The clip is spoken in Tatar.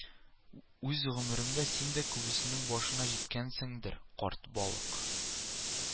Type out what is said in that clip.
Үз гомеремдә син дә күбесенең башына җиткәнсеңдер, карт балык